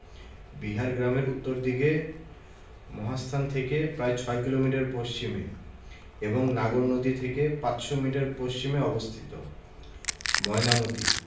বিহার গ্রামের উত্তর দিকে মহাস্থান থেকে প্রায় ৬ কিলোমিটার পশ্চিমে এবং নাগর নদী থেকে ৫০০ মিটার পশ্চিমে অবস্থিত ময়নামতি